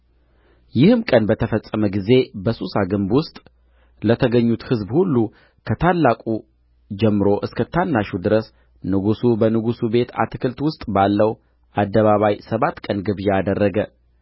ይህም ቀን በተፈጸመ ጊዜ በሱሳ ግንብ ውስጥ ለተገኙት ሕዝብ ሁሉ ከታላቁ ጀምሮ እስከ ታናሹ ድረስ ንጉሡ በንጉሡ ቤት አታክልት ውስጥ ባለው አደባባይ ሰባት ቀን ግብዣ አደረገ